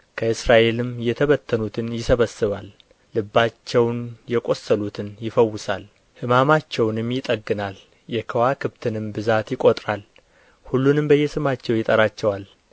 ከእስራኤልም የተበተኑትን ይሰበስባል ልባቸውን የቈሰሉትን ይፈውሳል ሕማማቸውንም ይጠግናል የከዋክብትንም ብዛት ይቈጥራል ሁሉንም በየስማቸው ይጠራቸዋል